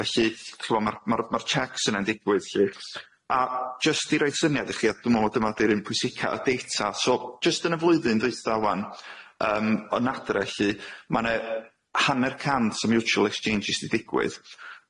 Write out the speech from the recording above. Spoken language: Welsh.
felly t'mo' ma'r ma'r ma'r cheques yna'n ddigwydd lly a jyst i roi syniad i chi a dwi me'wl ma' dyma di'r un pwysica y data, so jyst yn y flwyddyn ddwytha ŵan yym yn adre lly ma' ne hanner cant o mutual exchanges di ddigwydd,